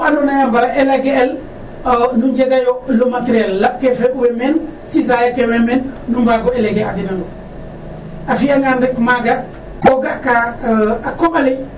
Wu andoona ye a mbara éléguer el nu njegaayo le materiel laƥ ke feek o way men sisay ke way men nu mbaag o éleguer a den a fi'angaan rek maaga ko ga'ka a koƥ ale